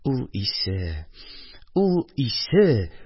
Ул исе, ул исе...